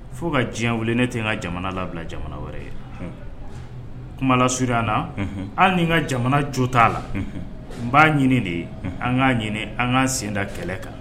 Fo ka diɲɛ wele ne tɛ ka jamana labila jamana wɛrɛ ye kumalasurunya na an ni ka jamana jo t'a la n b'a ɲini de ye an'a ɲini an kaan senda kɛlɛ kan